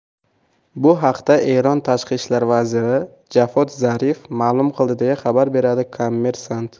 bu haqda eron tashqi ishlar vaziri javod zarif ma'lum qildi deya xabar beradi kommersant